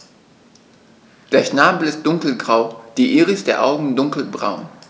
Der Schnabel ist dunkelgrau, die Iris der Augen dunkelbraun.